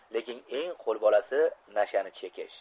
lekin eng qolbolasi nashani chekish